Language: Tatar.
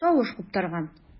Тавыш куптарган.